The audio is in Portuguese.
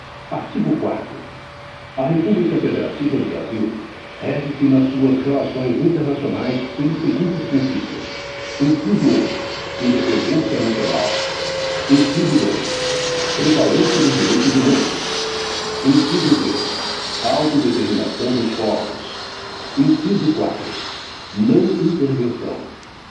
artigo quarto a república federativa do brasil rege se nas suas relações internacionais pelos seguintes princípios inciso um independência nacional inciso dois prevalência dos direitos humanos inciso três autodeterminação dos povos inciso quatro não intervenção